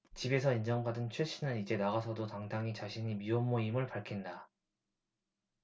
집에서 인정받은 최 씨는 이제 나가서도 당당히 자신이 미혼모임을 밝힌다